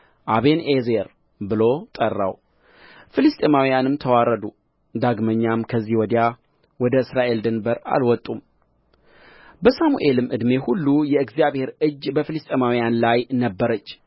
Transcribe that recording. አቤንኤዘር ብሎ ጠራው ፍልስጥኤማውያንም ተዋረዱ ዳግመኛም ከዚያ ወዲያ ወደ እስራኤል ድንበር አልወጡም በሳሙኤል ዕድሜ ሁሉ የእግዚአብሔር እጅ በፍልስጥኤማውያን ላይ ነበረች